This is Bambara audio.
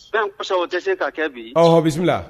Bɛɛ kosa o tɛ se ka kɛ bi ɔɔ bɛ la